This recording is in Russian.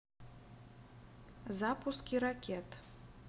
запуски ракет